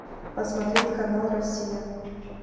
посмотреть канал россия